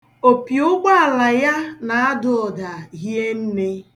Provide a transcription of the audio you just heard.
Opi ụgbọala ya na-ada ụda hie nne.